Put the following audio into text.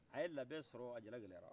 a ye labɛn sɔrɔ a ja gɛlɛyara